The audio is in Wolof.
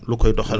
lu koy doxal